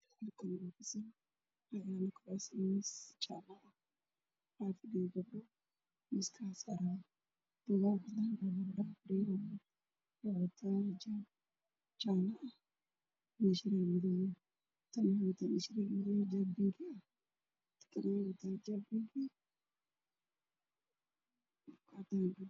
Meeshaan waxaa fadhiya afar gabdhood oo wax qoraya a oo wata indho shareer